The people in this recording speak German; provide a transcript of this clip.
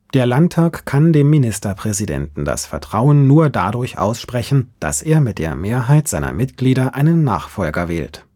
Der Landtag kann dem Ministerpräsidenten das Misstrauen nur dadurch aussprechen, dass er mit der Mehrheit seiner Mitglieder einen Nachfolger wählt